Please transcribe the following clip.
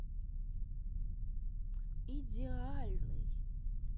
идеальный